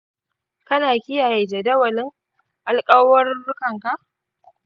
kana kiyaye jadawalin alƙawurranka?